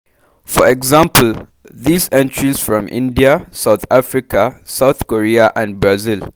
For example, these entries from India, South Africa, South Korea and Brazil.